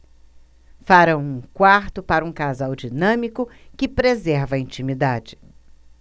farão um quarto para um casal dinâmico que preserva a intimidade